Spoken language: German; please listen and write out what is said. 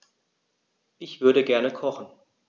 Ich würde gerne kochen.